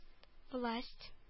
Власть